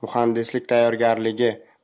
muhandislik tayyorgarligi